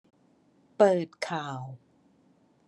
เปิดข่าว